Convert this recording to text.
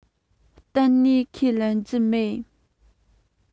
གཏན ནས ཁས ལེན གྱི མེད